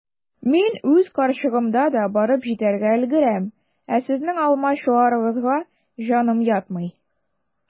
Мин үз карчыгымда да барып җитәргә өлгерәм, ә сезнең алмачуарыгызга җаным ятмый.